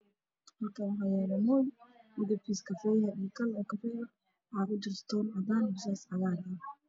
Waxaa ii muuqda mooyo lagu tumaayo kal ay ku dhex jirto